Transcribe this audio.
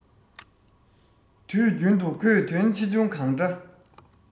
དུས རྒྱུན དུ ཁོས དོན ཆེ ཆུང གང འདྲ